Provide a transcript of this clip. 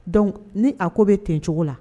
Dɔnku ni a ko bɛ tencogo la